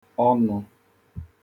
ọnụ̄